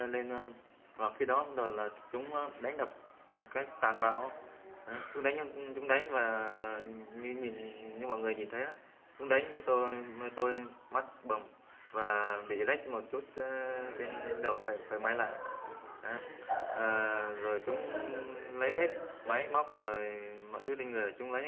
lên và khi đó là chúng đánh đập một cách tàn bạo chúng đánh là chúng đánh và như nhìn như mọi người nhìn thấy chúng đánh cho tôi mắt bầm và bị rách một chút trên da đầu phải may lại a a rồi chúng lấy hết máy móc rồi mọi thứ trên người chúng lấy